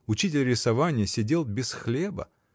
Учитель рисованья сидел без хлеба.